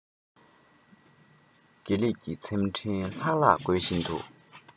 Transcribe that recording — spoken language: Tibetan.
དགེ ལེགས ཀྱི ཚེམས ཕྲེང ལྷག ལྷག དགོད བཞིན